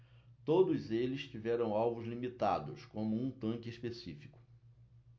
todos eles tiveram alvos limitados como um tanque específico